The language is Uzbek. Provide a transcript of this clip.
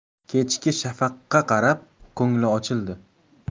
kechki shafaqqa qarab ko'ngli ochildi